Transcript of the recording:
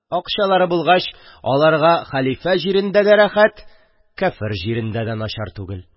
Акчалары булгач, аларга хәлифә җирендә дә рәхәт, кяфер җирендә дә начар түгел.